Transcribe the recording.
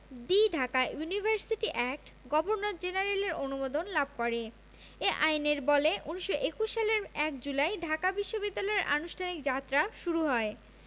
দি Dhaka University Act governor জেনারেলের অনুমোদন লাভ করে এ আইনের বলে ১৯২১ সালের ১ জুলাই ঢাকা বিশ্ববিদ্যালয়ের আনুষ্ঠানিক যাত্রা শুরু হয়